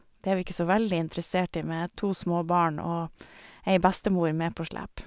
Det er vi ikke så veldig interessert i med to små barn og ei bestemor med på slep.